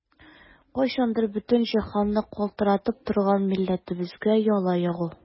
Кайчандыр бөтен җиһанны калтыратып торган милләтебезгә яла ягу!